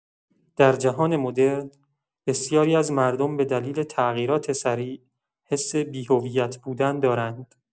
در جهان مدرن، بسیاری از مردم به دلیل تغییرات سریع، حس بی‌هویت بودن دارند.